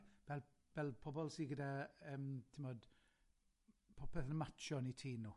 Ie, fel fel pobol sy gyda, yym, t'mod, popeth yn matsio yn 'u tŷ nw.